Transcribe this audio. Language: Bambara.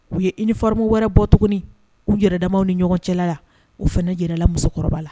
U ye ifamu wɛrɛ bɔ tuguni' yɛrɛ damaw ni ɲɔgɔn cɛ u fana yɛrɛla musokɔrɔba la